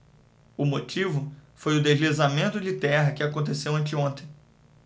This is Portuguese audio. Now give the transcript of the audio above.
o motivo foi o deslizamento de terra que aconteceu anteontem